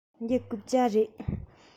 འདི རྐུབ བཀྱག རེད